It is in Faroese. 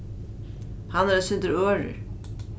hann er eitt sindur ørur